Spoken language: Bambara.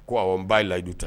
Ko aw n b'a laj ta